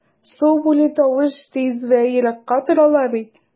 Су буйлый тавыш тиз вә еракка тарала бит...